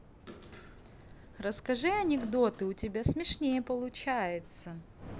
расскажи анекдоты у тебя смешнее получается